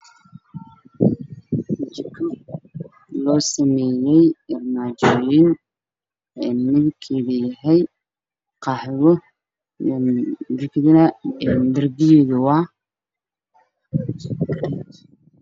Jiko losameyay armajoyin midabkedu yahay qaxwi jikada darbiged waa garey